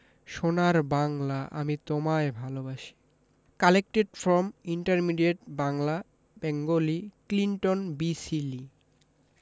সোনার বাংলা আমি তোমায় ভালবাসি collected from intermediate Bangla Bengali Clinton B Seely